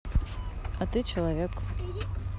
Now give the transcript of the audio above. а ты человек